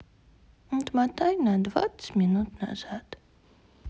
отмотай на двадцать минут назад